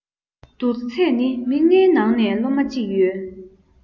བསྡུར ཚད ནི མི ལྔའི ནང ན སློབ མ གཅིག ཡོད